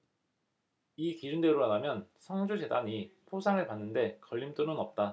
이 기준대로라면 성주재단이 포상을 받는 데 걸림돌은 없다